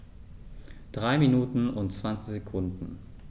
3 Minuten und 20 Sekunden